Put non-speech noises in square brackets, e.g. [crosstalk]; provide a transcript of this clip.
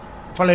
[hesitation] [hesitation]